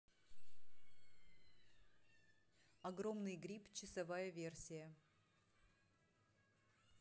огромный гриб часовая версия